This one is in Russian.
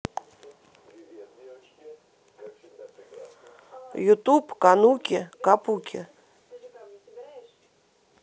ютуб кануки капуки